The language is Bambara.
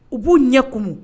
U b'u ɲɛ kumun